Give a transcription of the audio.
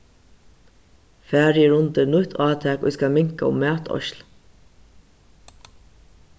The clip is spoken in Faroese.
farið er undir nýtt átak ið skal minka um matoyðsl